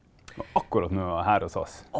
og akkurat nå er hun her hos oss.